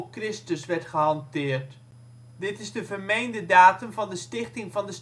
Christus werd gehanteerd. Dit is de vermeende datum van de stichting van de